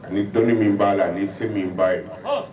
Ani dɔnni min b'a la ani se min b'a ye. Hɔn!